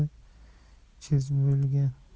otasi shz bo'lgan